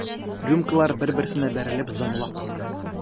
Рюмкалар бер-берсенә бәрелеп зыңлап куйды.